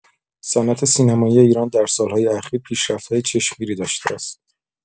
صنعت سینمایی ایران در سال‌های اخیر پیشرفت‌های چشمگیری داشته است.